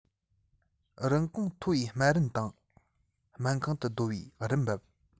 རིན གོང མཐོ བའི སྨན རིན དང སྨན ཁང དུ སྡོད པའི རིན འབབ